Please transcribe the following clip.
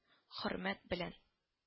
Хөрмәт белән